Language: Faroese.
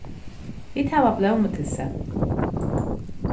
vit hava blómutyssið